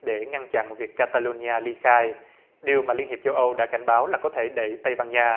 để ngăn chặn việc ca ta lu ny a ly khai điều mà liên hiệp châu âu đã cảnh báo là có thể đẩy tây ban nha